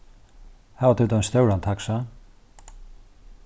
hava tit ein stóran taxa